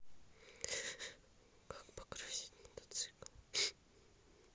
как покрасить мотоцикл